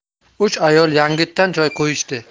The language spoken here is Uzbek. uch ayol yangitdan choy qo'yishdi